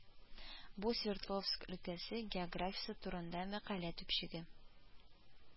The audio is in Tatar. Бу Свердловск өлкәсе географиясе турында мәкалә төпчеге